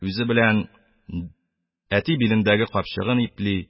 Үзе белән әти билендәге капчыгын ипли